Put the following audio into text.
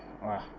wa